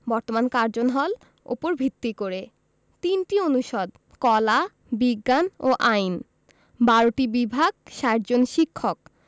বর্তমান Curzon Hall উপর ভিত্তি করে ৩টি অনুষদ কলা বিজ্ঞান ও আইন ১২টি বিভাগ ৬০ জন শিক্ষক